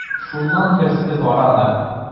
Шуннан берсе бара да:.